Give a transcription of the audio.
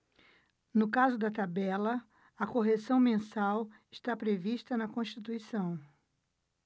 no caso da tabela a correção mensal está prevista na constituição